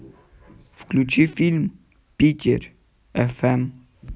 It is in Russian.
включи фильм питер фм